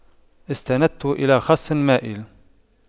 استندت إلى خصٍ مائلٍ